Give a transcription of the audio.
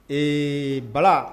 Ee bala